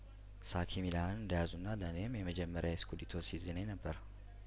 ሳኪ ሚላንን እንደያዙና ለእኔም የመጀመሪያ የስኩዴቶው ሲዝኔ ነበር